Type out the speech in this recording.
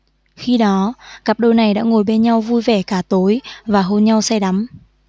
khi đó cặp đôi này đã ngồi bên nhau vui vẻ cả tối và hôn nhau say đắm